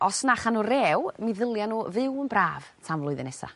os na cha' n'w rew mi ddylia n'w fyw'n braf tan flwyddyn nesa.